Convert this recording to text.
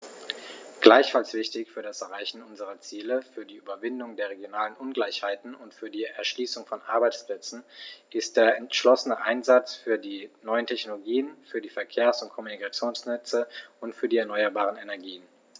Gleichfalls wichtig für das Erreichen unserer Ziele, für die Überwindung der regionalen Ungleichheiten und für die Erschließung von Arbeitsplätzen ist der entschlossene Einsatz für die neuen Technologien, für die Verkehrs- und Kommunikationsnetze und für die erneuerbaren Energien.